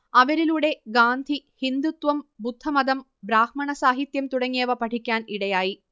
അവരിലുടെ ഗാന്ധി ഹിന്ദുത്വം ബുദ്ധമതം ബ്രാഹ്മണ സാഹിത്യം തുടങ്ങിയവ പഠിക്കാൻ ഇടയായി